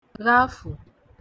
ghafù